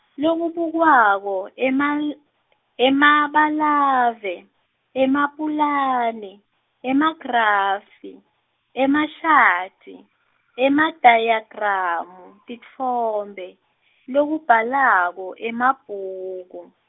Lokubukwako, emang- emabalave, Emapulani, emagrafu, emashadi, emadayagramu, titfombe, Lokubhalako, emabhuku.